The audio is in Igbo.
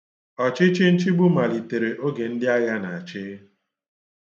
Ọchịchịnchigbu malitere oge ndịagha na-achị.